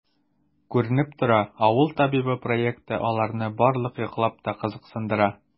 Күренеп тора,“Авыл табибы” проекты аларны барлык яклап та кызыксындыра.